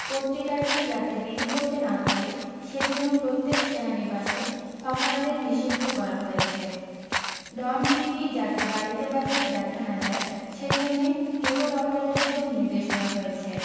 পত্রিকাটি যাতে বিলি করতে না পারে সেজন্যে প্রত্যেক সেনানিবাসে হকারদের নিষিদ্ধ করা হয়েছে ডন টিভি যাতে বাড়িতে বাড়িতে দেখা না যায় সেজন্যে কেবল অপারেটরদের নির্দেশ দেওয়া হয়েছে